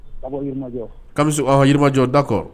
Kabinimi ahijɔ da kɔ